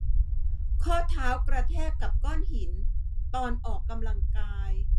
ข้อเท้ากระแทกกับก้อนหินตอนออกกำลังกาย